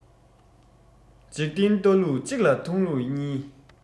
འཇིག རྟེན ལྟ ལུགས གཅིག ལ མཐོང ལུགས གཉིས